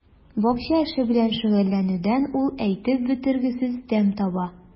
Бакча эше белән шөгыльләнүдән ул әйтеп бетергесез тәм таба.